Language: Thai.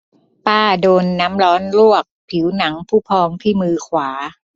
ป้าโดนน้ำร้อนลวกผิวหนังพุพองที่มือขวา